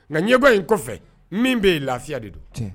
Nka ɲɛbɔ in kɔfɛ min bɛ lafiya de don